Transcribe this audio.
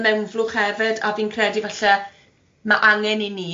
mewnflwch hefyd, a fi'n credu falle ma' angen i ni falle